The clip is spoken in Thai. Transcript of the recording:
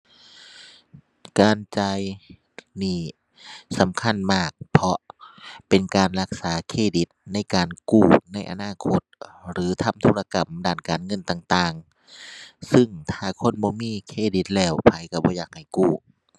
การจ่ายหนี้สำคัญมาก เพราะเป็นการรักษาเครดิตในการกู้ในอนาคตหรือทำธุรกรรมด้านการเงินต่างต่าง ซึ่งถ้าคนบ่มีเครดิตแล้วไผก็บ่อยากให้กู้